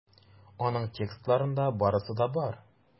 Аның текстларында барысы да бар.